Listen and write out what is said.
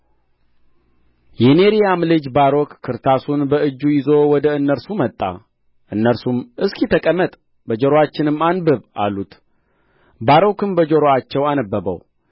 የኔርያም ልጅ ባሮክ ክርታሱን በእጁ ይዞ ወደ እነርሱ መጣ እነርሱም እስኪ ተቀመጥ በጆሮአችንም አንብብ አሉት ባሮክም በጆሮአቸው አነበበው